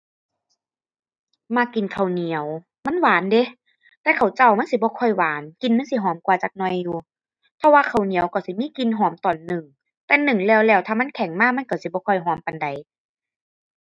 มักกินข้าวเหนียว มันหวานเดะ แต่ข้าวเจ้ามันสิบ่ค่อยหวาน กลิ่นมันสิหอมกว่าจักหน่อยอยู่ เพราะว่าข้าวเหนียวก็สิมีกลิ่นหอมตอนนึ่ง แต่นึ่งแล้วแล้วถ้ามันแข็งมามันก็สิบ่ค่อยหอมปานใด